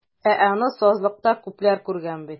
Ә аны сазлыкта күпләр күргән бит.